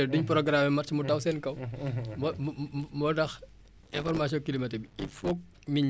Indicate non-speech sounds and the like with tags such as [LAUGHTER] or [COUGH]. ba mu mu mu moo tax information climatique [NOISE] il foog nit ñi approprier wu ko gën ko jëlaat